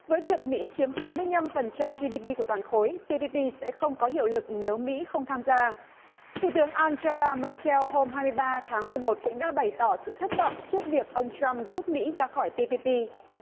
với việc mỹ chiếm sáu mươi nhăm phần trăm gi đi pi của toàn khối ti pi pi sẽ không có hiệu lực nếu mỹ không tham gia thủ tướng an ge la mác keo hôm hai mươi ba tháng mười một cũng đã bày tỏ sự thất vọng trước việc ông trăm rút mỹ ra khỏi ti pi pi